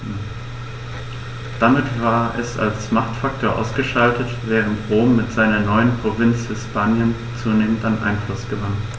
Damit war es als Machtfaktor ausgeschaltet, während Rom mit seiner neuen Provinz Hispanien zunehmend an Einfluss gewann.